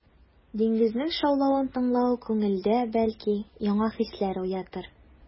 Диңгезнең шаулавын тыңлау күңелдә, бәлки, яңа хисләр уятыр.